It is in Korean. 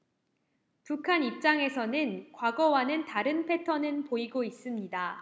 북한 입장에서는 과거와는 다른 패턴은 보이고 있습니다